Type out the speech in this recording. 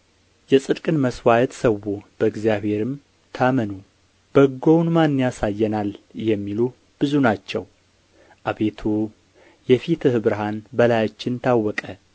የጽድቅን መሥዋዕት ሠዉ በእግዚአብሔርም ታመኑ በጎውን ማን ያሳየናል የሚሉ ብዙ ናቸው አቤቱ የፊትህ ብርሃን በላያችን ታወቀ